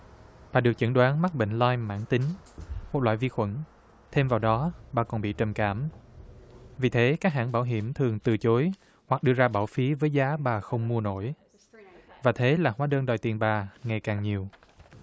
và được chẩn đoán mắc bệnh lao mãn tính một loại vi khuẩn thêm vào đó bà còn bị trầm cảm vì thế các hãng bảo hiểm thường từ chối hoặc đưa ra báo phí với giá bà không mua nổi và thế là hóa đơn đòi tiền bà ngày càng nhiều